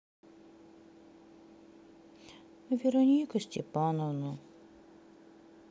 вероника степанова